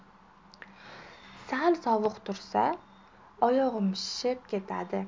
sal sovuq tursa oyog'im shishib ketadi